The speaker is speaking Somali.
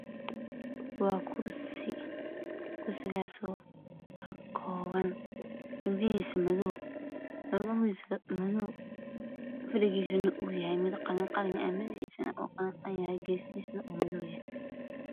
Waa kursi oo kakoo kooban madow lugihiisa madow fadhigiisana madow